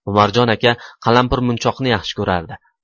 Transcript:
umarjon aka qalampirmunchoqni yaxshi ko'rardi